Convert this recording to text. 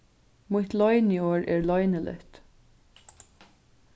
mítt loyniorð er loyniligt